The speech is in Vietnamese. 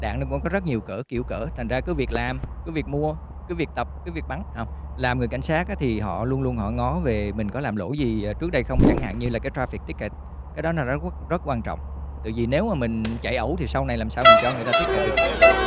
đã có rất nhiều cỡ kiểu cỡ thành ra cứ việc làm của việc mua cứ việc tập cứ việc bắn hông làm người cảnh sát á thì họ luôn luôn họ ngó về mình có làm lỗi gì trước đây không chẳng hạn như là cái tra phịt tích kịt cái đó là nó rất rất quan trọng tại vì nếu mình chạy ẩu thì sau này làm sao cho người ta tích kịt được